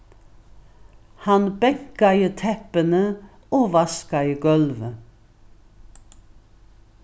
hann bankaði teppini og vaskaði gólvið